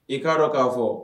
I'a dɔn k'a fɔ